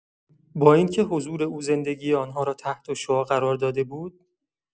یا این‌که حضور او زندگی آن‌ها را تحت‌الشعاع قرار داده بود؟!